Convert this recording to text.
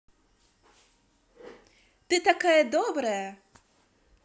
ты такая добрая